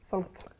sant.